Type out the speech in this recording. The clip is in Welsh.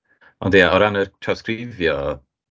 Ond ia, o ran yr trawsgrifio...